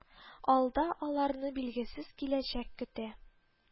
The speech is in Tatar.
Алда аларны билгесез киләчәк көтә